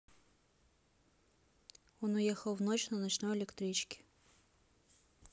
он уехал в ночь на ночной электричке